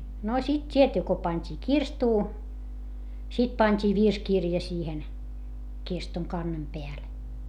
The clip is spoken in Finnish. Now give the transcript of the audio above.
no sitten tietty kun pantiin kirstuun sitten pantiin virsikirja siihen kirstun kannen päälle